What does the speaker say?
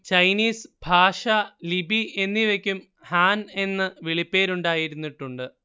Chinese ഭാഷ ലിപി എന്നിവയ്ക്കും ഹാൻ എന്ന വിളിപ്പേരുണ്ടായിരുന്നിട്ടുണ്ട്